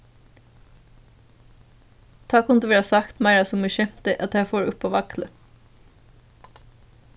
tá kundi verða sagt meira sum í skemti at teir fóru upp á vaglið